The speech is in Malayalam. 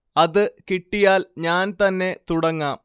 അത് കിട്ടിയാൽ ഞാൻ തന്നെ തുടങ്ങാം